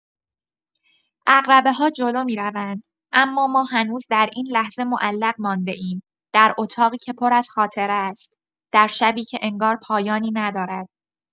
عقربه‌ها جلو می‌روند، اما ما هنوز در این لحظه معلق مانده‌ایم، در اتاقی که پر از خاطره است، در شبی که انگار پایانی ندارد.